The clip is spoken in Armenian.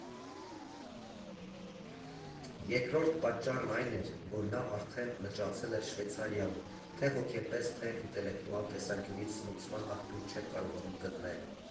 Երկրորդ պատճառը այն էր, որ նա արդեն լճացել էր Շվեյցարիայիում, թե՛ հոգեպես, թե՛ ինտելեկտուալ տեսանկյունից սնուցման աղբյուր չէր կարողանում գտնել։